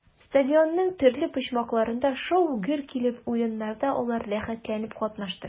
Стадионның төрле почмакларында шау-гөр килеп уеннарда алар рәхәтләнеп катнашты.